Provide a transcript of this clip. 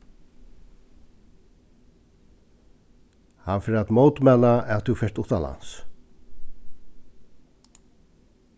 hann fer at mótmæla at tú fert uttanlands